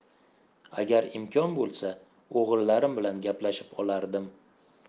agar imkon bo'lsa o'g'illarim bilan gaplashib olardim